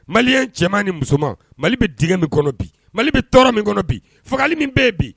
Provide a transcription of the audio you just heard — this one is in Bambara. Mali cɛman ni musoman mali bɛ d min kɔnɔ bi mali bɛ tɔɔrɔ min kɔnɔ bi fagali min bɛ yen bi